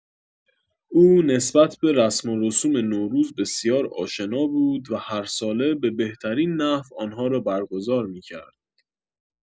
او نسبت به رسم و رسوم نوروز بسیار آشنا بود و هر ساله به بهترین نحو آنها را برگزار می‌کرد.